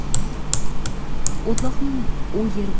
o'tloqning u yer